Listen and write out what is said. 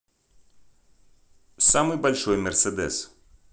самый большой мерседес